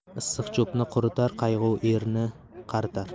issiq cho'pni quritar qayg'u erni qaritar